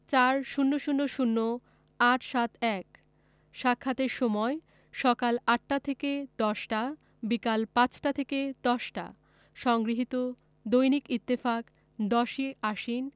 ৪০০০ ৮৭১ সাক্ষাতের সময়ঃ সকাল ৮টা থেকে ১০টা বিকাল ৫টা থেকে ১০টা সংগৃহীত দৈনিক ইত্তেফাক ১০ই আশ্বিন